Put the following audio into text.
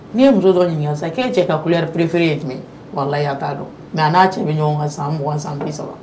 N'i ye muso dɔ ɲininka k'e cɛ kayari perefiere ye jumɛn walaya t'a dɔn mɛ n'a cɛ bɛ ɲɔgɔn kan san mugan san bi saba